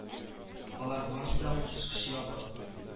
Алар барысы да коточкыч ябык